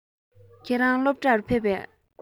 ཁྱེད རང སློབ གྲྭར ཕེབས པས